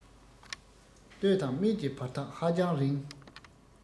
སྟོད དང སྨད ཀྱི བར ཐག ཧ ཅང རིང